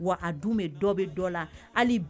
Wa a dun bɛ dɔ bɛ dɔ la